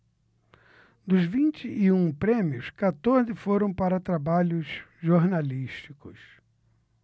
dos vinte e um prêmios quatorze foram para trabalhos jornalísticos